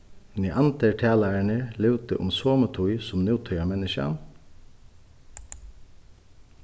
neandertalararnir livdu um somu tíð sum nútíðarmenniskjan